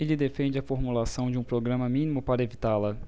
ele defende a formulação de um programa mínimo para evitá-la